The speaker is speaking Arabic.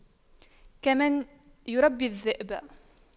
كمن يربي الذئب